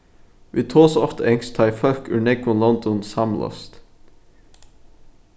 vit tosa ofta enskt tá ið fólk úr nógvum londum samlast